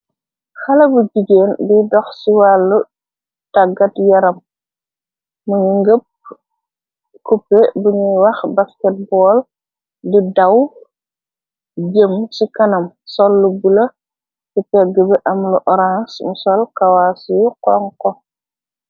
xala bu jigéen di dox ci wàllu taggat yaram munu ngëpp cupe buñuy wax basket bool di daw jem ci kanam sollu bula ci tegg bi am lu orange mu sol kawasi xonko